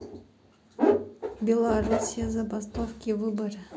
белоруссия забастовки выборы